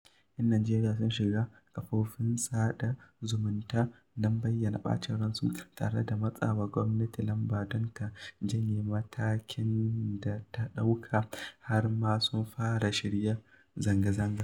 Yan Najeriya sun shiga kafofin sada zumunta don bayyana ɓacin ransu, tare da matsa wa gwamnati lamba don ta janye matakin da ta ɗauka, har ma sun fara shirya zanga-zanga.